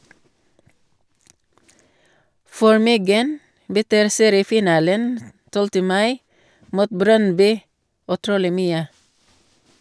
For Myggen betyr seriefinalen 12. mai mot Brøndby utrolig mye.